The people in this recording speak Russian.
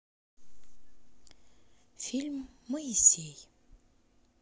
фильм моисей